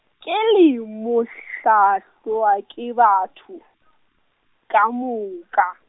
ke le, molahlwakebatho, ka moka.